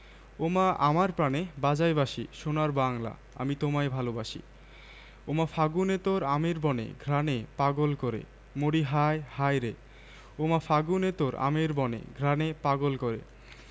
০৫ জাতীয় সংগীত জাতীয় সংগীত বাংলাদেশ রবীন্দ্রনাথ ঠাকুর আমার সোনার বাংলা আমি তোমায় ভালোবাসি চির দিন তোমার আকাশ তোমার বাতাস আমার প্রাণে